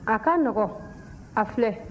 a ka nɔgɔn a filɛ